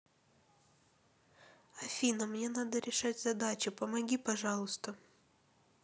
афина мне надо решать задачи помоги пожалуйста